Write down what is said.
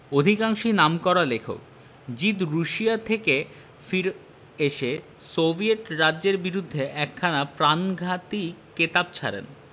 অধিকাংশই নামকরা লেখক জিদ রুশিয়া থেকে ফিরে এসে সোভিয়েট রাজ্যের বিরুদ্ধে একখানা প্রাণঘাতী কেতাব ছাড়েন